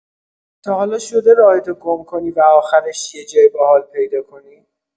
تا حالا شده راهتو گم کنی و آخرش یه جای باحال پیدا کنی؟